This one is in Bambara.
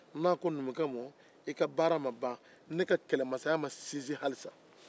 a b'a fɔ numukɛ ma i ka baara ma ban ne ka kɛlɛmasaya ma sinsin hali sisan